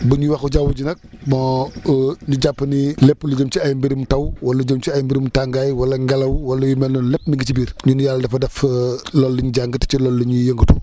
bu ñuy wax jaww ji nag bon ñu jàpp ni lépp lu jëm ci ay mbirum taw lu jëm ci ay mbirum tàngaay wala ngelaw wala yu mel noonu lépp mu ngi ci biir ñun yàlla dafa def loolu lañ jàng te ci loolu la ñuy yëngatu